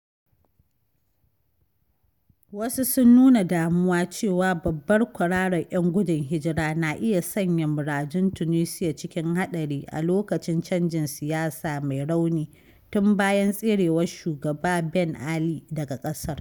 Wasu, sun nuna damuwa cewa babbar kwararar ‘yan gudun hijira na iya sanya muradun Tunisiya cikin haɗari a lokacin canjin siyasa mai rauni tun bayan tserewar Shugaba Ben Ali daga ƙasar.